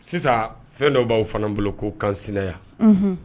Sisan fɛn dɔw b'aw fana bolo ko kansinaya